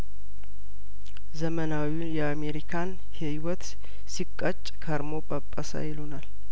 ዘመናዊውን የአምሪካን ሂዎት ሲቀጭ ከርሞ ጰጰሰ ይሉናል